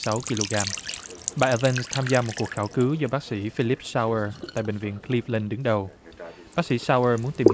sáu ki lô gam bại vân tham gia một cuộc khảo cứu do bác sĩ phi lip sao ua tại bệnh viện clin tơn đứng đầu bác sĩ sao a muốn tìm